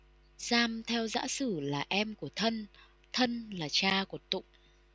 giam theo dã sử là em họ của thân thân là cha của tụng